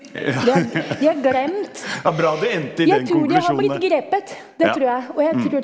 ja var bra du endte i den konklusjonen der ja .